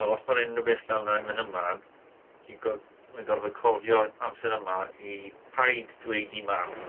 Wel, os mae unrhyw beth fel 'na yn mynd ymlaen ti'n gor-, mae'n gorfod cofio amser yma i, "paid dweud i Mam".